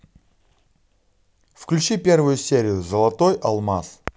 включи первую серию золотой алмаз